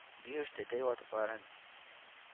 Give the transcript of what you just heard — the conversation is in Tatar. Биюш тәтәй ватыкларын